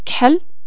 كحل